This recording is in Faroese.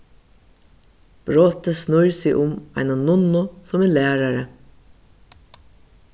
brotið snýr seg um eina nunnu sum er lærari